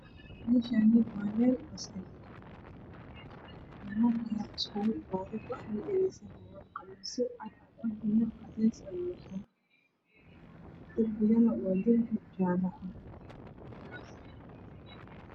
Meshan waa meel masajid ah waxana isgu imaden niman waxeyna dhegeysanayan qamisyocad ayey xiran yihiin derbigana waa derbi jaaloah